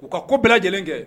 U ka ko bɛɛ lajɛlen kɛ